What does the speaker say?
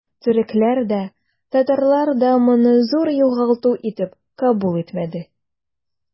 Төрекләр дә, татарлар да моны зур югалту итеп кабул итмәде.